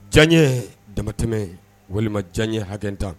Diya ye damatɛmɛ walima diya ye hakɛ tan